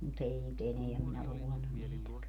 mutta ei nyt enää minä luulen ole niitäkään